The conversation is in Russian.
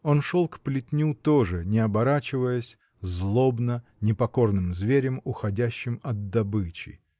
Он шел к плетню, тоже не оборачиваясь, злобно, непокорным зверем, уходящим от добычи.